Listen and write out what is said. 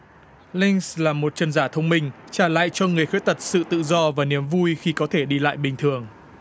linh là một chân giả thông minh trả lại cho người khuyết tật sự tự do và niềm vui khi có thể đi lại bình thường